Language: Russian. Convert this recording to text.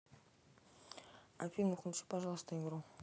афина выключи пожалуйста игру